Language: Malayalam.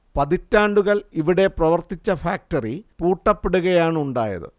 പതിറ്റാണ്ടുകൾ ഇവിടെ പ്രവർത്തിച്ച ഫാക്ടറി പൂട്ടപ്പെടുകയാണുണ്ടായത്